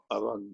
o'dd o'n